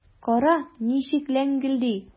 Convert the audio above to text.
Кара, ничек ләңгелди!